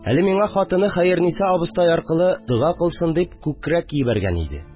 Әле миңа хатыны Хәерниса абыстай аркылы, дога кылсын дип, күкрәк җибәргән иде